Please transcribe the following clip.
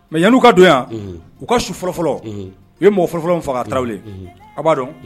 Mais yanni'u ka don yan, ɔnhɔn, u ka su fɔlɔfɔlɔ, unhun, u ye mɔgɔ fɔlɔfɔlɔ min faga tarawele, unhu, a b'a dɔn